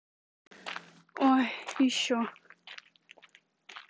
ой еще